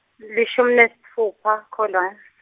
lishumi nesitfupha Kholwane.